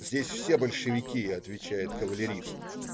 здесь все большевики",- отвечает кавалерист.